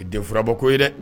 Denurabɔ ko ye dɛ